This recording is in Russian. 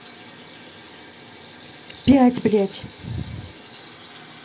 пять блять